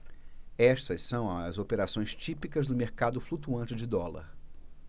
essas são as operações típicas do mercado flutuante de dólar